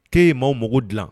' ye maaw mako dilan